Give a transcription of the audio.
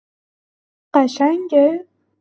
قشنگه؟